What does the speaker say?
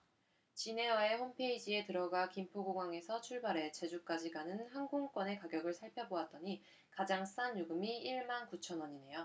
진에어의 홈페이지에 들어가 김포공항에서 출발해 제주까지 가는 항공권의 가격을 살펴 보았더니 가장 싼 요금이 일 만 구천 원이네요